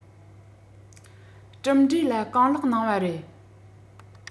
གྲུབ འབྲས ལ གང ལེགས གནང བ རེད